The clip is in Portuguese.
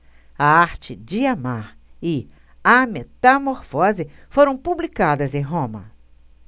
a arte de amar e a metamorfose foram publicadas em roma